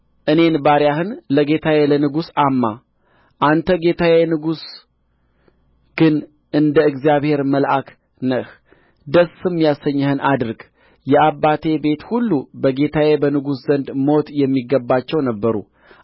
እኔን ባሪያህን ለጌታዬ ለንጉሡ አማ አንተ ጌታዬ ንጉሥ ግን እንደ እግዚአብሔር መልአክ ነህ ደስም ያሰኘህን አድርግ የአባቴ ቤት ሁሉ በጌታዬ በንጉሡ ዘንድ ሞት የሚገባቸው ነበሩ